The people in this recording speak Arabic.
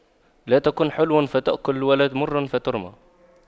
لا تكن حلواً فتؤكل ولا مراً فترمى